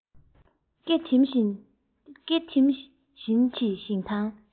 སྐེས ཐེམ བཞིན གྱི ཞིང ཐང